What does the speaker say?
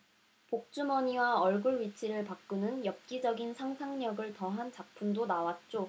복주머니와 얼굴 위치를 바꾸는 엽기적인 상상력을 더한 작품도 나왔죠